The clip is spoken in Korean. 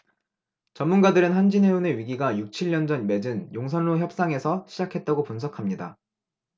전문가들은 한진해운의 위기가 육 칠 년 전 맺은 용선료 협상에서 시작했다고 분석합니다